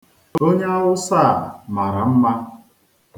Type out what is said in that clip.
Onye Awụsa a mara mma.